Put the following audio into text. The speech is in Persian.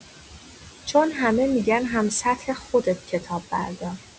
چون همه می‌گن هم‌سطح خودت کتاب بردار!